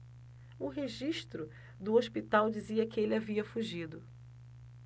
o registro do hospital dizia que ele havia fugido